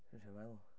Fi'n trio meddwl.